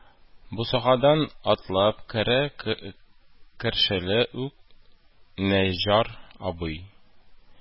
Бусагадан атлап керә-кершеле үк, Наҗар абый: